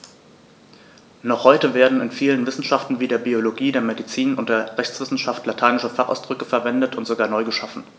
Noch heute werden in vielen Wissenschaften wie der Biologie, der Medizin und der Rechtswissenschaft lateinische Fachausdrücke verwendet und sogar neu geschaffen.